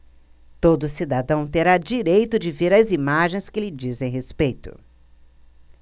todo cidadão terá direito de ver as imagens que lhe dizem respeito